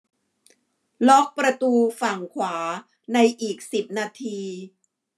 ล็อกประตูฝั่งขวาในอีกสิบนาที